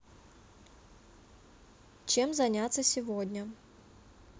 чем заняться сегодня